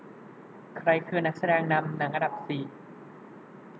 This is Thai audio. ใครคือนักแสดงนำหนังอันดับสี่